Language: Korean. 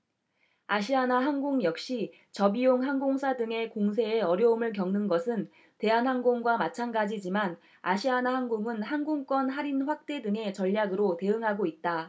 아시아나항공 역시 저비용항공사 등의 공세에 어려움을 겪는 것은 대한항공과 마찬가지지만 아시아나항공은 항공권 할인 확대 등의 전략으로 대응하고 있다